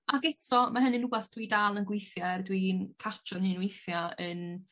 Ag eto ma' hynny'n wbath dwi dal yn gweithio ar dwi'n catchio'n hun weithia' yn